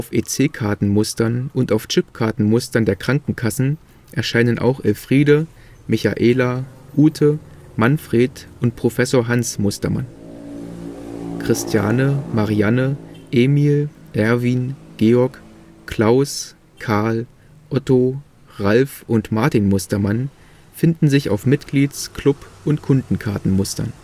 EC-Karten-Mustern und auf Chipkarten-Mustern der Krankenkassen erscheinen auch Elfriede, Michaela, Ute, Manfred und Prof. Hans Mustermann. Christiane, Marianne, Emil, Erwin, Georg, Klaus, Karl, Otto, Ralf und Martin Mustermann finden sich auf Mitglieds -, Club - und Kundenkarten-Mustern